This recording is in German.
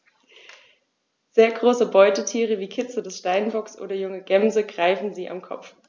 Sehr große Beutetiere wie Kitze des Steinbocks oder junge Gämsen greifen sie am Kopf.